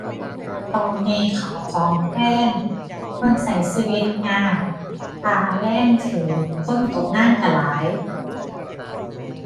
ตอนนี้ข้าวของแพง คนใช้ชีวิตยาก ค่าแรงใช้คนตกงานใช้หลาย